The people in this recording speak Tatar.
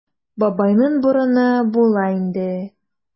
Бабайның борыны була инде.